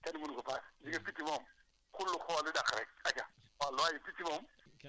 si wàllu dugub bi moom li ci li ci li ci waay li ci waa ji wax kenn mënu ko paase kenn mënu ko paase